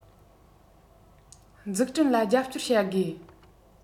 འཛུགས སྐྲུན ལ རྒྱབ སྐྱོར བྱ དགོས